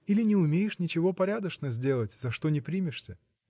– или не умеешь ничего порядочно сделать за что ни примешься.